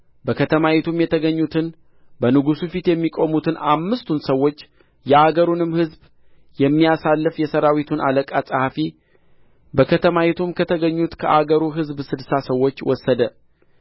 በከተማይቱም የተገኙትን በንጉሡ ፊት የሚቆሙትን አምስቱን ሰዎች የአገሩንም ሕዝብ የሚያሰልፍ የሠራዊቱን አለቃ ጸሐፊ በከተማይቱም ከተገኙት ከአገሩ ሕዝብ ስድሳ ሰዎች ወሰደ